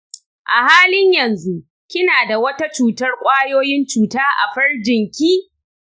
a halin yanzu, kina da wata cutar kwayoyin cuta a farjinki?